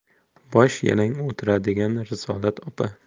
bosh yalang o'tiradigan risolat opa